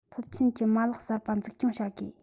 སློབ ཆེན གྱི མ ལག གསར པ འཛུགས སྐྱོང བྱ དགོས